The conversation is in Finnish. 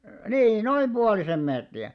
niin noin puolisen metriä